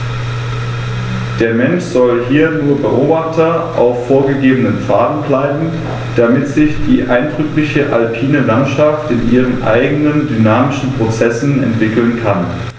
Der Mensch soll hier nur Beobachter auf vorgegebenen Pfaden bleiben, damit sich die eindrückliche alpine Landschaft in ihren eigenen dynamischen Prozessen entwickeln kann.